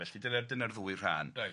Felly dyna dyna'r ddwy rhan... reit